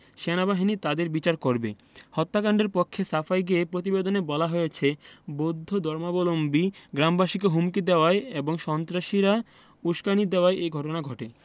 সেনাবাহিনী তাদের বিচার করবে হত্যাকাণ্ডের পক্ষে সাফাই গেয়ে প্রতিবেদনে বলা হয়েছে বৌদ্ধ ধর্মাবলম্বী গ্রামবাসীকে হুমকি দেওয়ায় এবং সন্ত্রাসীরা উসকানি দেওয়ায় এ ঘটনা ঘটে